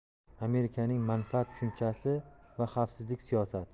amerikaning manfaat tushunchasi va xavfsizlik siyosati